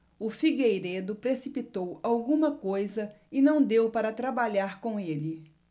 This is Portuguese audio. o figueiredo precipitou alguma coisa e não deu para trabalhar com ele